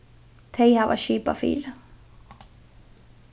tey hava skipað fyri